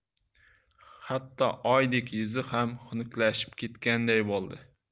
hatto oydek yuzi ham xunuklashib ketganday bo'ldi